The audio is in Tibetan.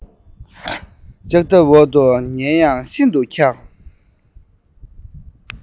ལྕགས ཐབ འོག ཏུ ཉལ ཡང ཤིན ཏུ འཁྱགས